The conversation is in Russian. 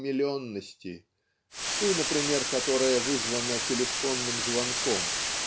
умиленности, ту, например, которая вызвана. телефонным звонком